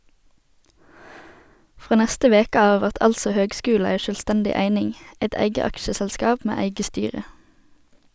Frå neste veke av vert altså høgskulen ei sjølvstendig eining, eit eige aksjeselskap med eige styre.